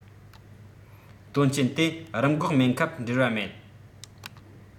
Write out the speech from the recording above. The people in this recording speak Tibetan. དོན རྐྱེན དེ རིམས འགོག སྨན ཁབ འབྲེལ བ མེད